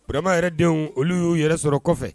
Burama yɛrɛ denw olu y'u yɛrɛ sɔrɔ kɔfɛ